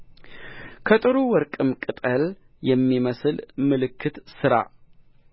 ከጥሩ ወርቅም ቅጠል የሚመስል ምልክት ሥራ